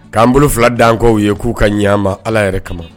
K'an bolo fila dankaww ye k'u ka ɲɛma ala yɛrɛ kama